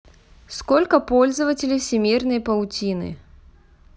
сколько пользователей всемирной паутины